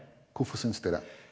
hvorfor synes de det?